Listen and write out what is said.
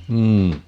mm